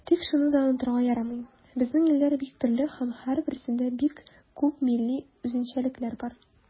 Тик шуны да онытырга ярамый, безнең илләр бик төрле һәм һәрберсендә бик күп милли үзенчәлекләр бар.